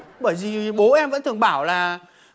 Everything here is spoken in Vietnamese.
bởi dì bố em vẫn thường bảo là